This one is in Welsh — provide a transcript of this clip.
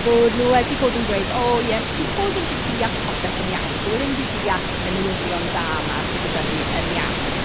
Bo' nhw wedi bod yn dweud "o ie dyw Paul ddim 'di deall popeth yn iawn, dyw e ddim 'di deall y newyddion da 'ma sy gyda ni yn iawn".